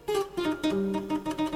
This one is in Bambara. Sanunɛ